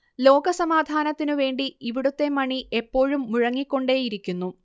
ലോക സമാധാനത്തിനു വേണ്ടി ഇവിടുത്തെ മണി എപ്പോഴും മുഴങ്ങിക്കൊണ്ടേയിരിക്കുന്നു